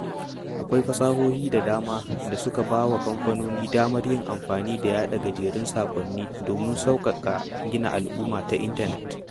Akwai fasahohi da dama da suka ba wa kamfanoni damar yin amfani da yaɗa gajerun saƙonni domin sauƙaƙa gina al'umma ta intanet.